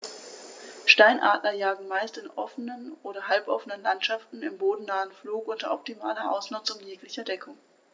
Steinadler jagen meist in offenen oder halboffenen Landschaften im bodennahen Flug unter optimaler Ausnutzung jeglicher Deckung.